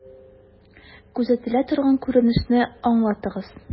Күзәтелә торган күренешне аңлатыгыз.